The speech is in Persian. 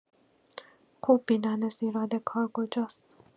خوب می‌دانست ایراد کار کجاست.